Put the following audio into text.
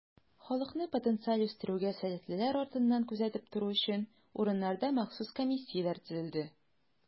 Халыкны потенциаль үстерүгә сәләтлеләр артыннан күзәтеп тору өчен, урыннарда махсус комиссияләр төзелде.